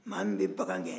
maa min bɛ bagan gɛn